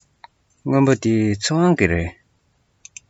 སྔོན པོ འདི ཚེ དབང གི རེད